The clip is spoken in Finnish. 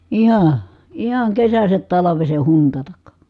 ihan ihan kesästä talveen huntata